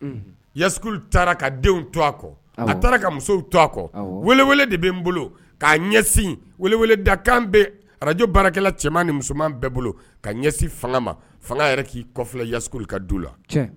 Taara denw to a a taara muso to de bɛ bolosin dakan bɛ arajo baarakɛ cɛman ni musoman bɛɛ bolo ka fanga ma fanga k'is ka du la